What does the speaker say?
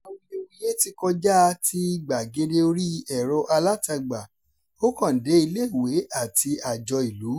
Awuyewuye ti kọjáa ti gbàgede orí ẹ̀rọ-alátagbà, ó kàn dé ilé-ìwé àti àjọ ìlú.